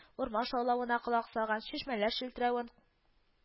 Урман шаулавына колак салган, чишмәләр челтерәвен